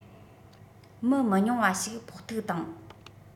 མི མི ཉུང བ ཞིག ཕོག ཐུག བཏང